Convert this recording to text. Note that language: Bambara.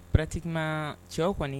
P beretiki ma cɛ kɔni